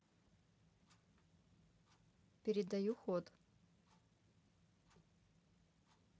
передаю ход